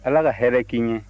ala ka hɛrɛ k'i ɲɛ